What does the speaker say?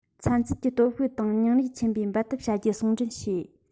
ཚན རྩལ གྱི སྟོབས ཤུགས དང སྙིང རུས ཆེན པོས འབད འཐབ བྱ རྒྱུ ཟུང འབྲེལ བྱས